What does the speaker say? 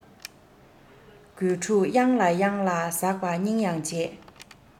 རྒོད ཕྲུག གཡང ལ གཡང ལ ཟགས པ སྙིང ཡང རྗེ